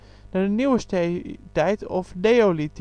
naar de Nieuwe Steentijd of Neolithicum. De